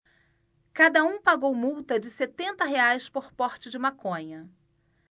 cada um pagou multa de setenta reais por porte de maconha